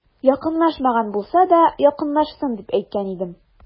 Якынлашмаган булса да, якынлашсын, дип әйткән идем.